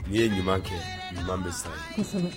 N'i ye ɲuman kɛ bɛ